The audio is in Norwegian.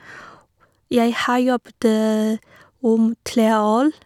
Jeg har jobbet om tre år.